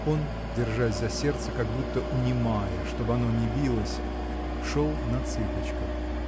Он, держась за сердце, как будто унимая, чтоб оно не билось, шел на цыпочках.